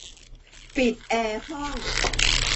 ปิดแอร์ห้อง